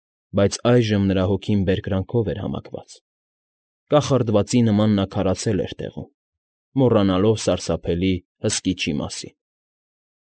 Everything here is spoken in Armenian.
Բայց այժմ նրա հոգին բերկրանքով էր համակված. կախարդվածի նման նա քարացել էր տեղում՝ մոռանալով սարսափելի հսկիչի մասին։